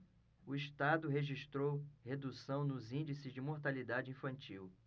o estado registrou redução nos índices de mortalidade infantil